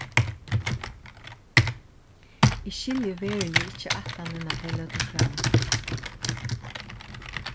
eg skilji veruliga ikki ætlanina tey løgdu fram